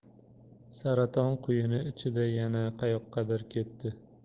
saraton quyuni ichida yana qayoqqadir ketdi